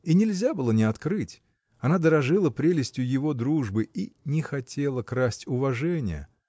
И нельзя было не открыть: она дорожила прелестью его дружбы и не хотела красть уважения.